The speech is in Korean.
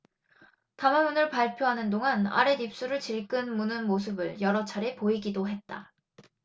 담화문을 발표하는 동안 아랫입술을 질끈 무는 모습을 여러차례 보이기도 했다